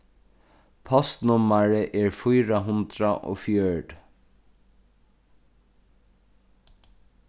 postnummarið er fýra hundrað og fjøruti